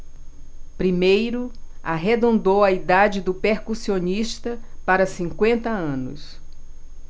primeiro arredondou a idade do percussionista para cinquenta anos